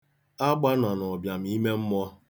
Agba nọ n'ụbịam ime mmụọ.